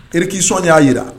Requissions y'a yira